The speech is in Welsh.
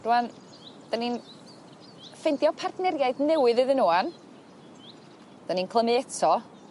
Rŵan, 'dyn ni'n ffeindio partneriaeth newydd iddyn n'w ŵan 'dyn ni'n clymu eto.